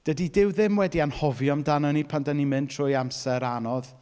Ddyi Duw ddim wedi anghofio amdano ni pan dan ni'n mynd trwy amser anodd.